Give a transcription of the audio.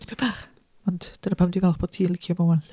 Dipyn bach, ond dyna pam dwi'n falch bod ti'n licio fo 'wan 'lly.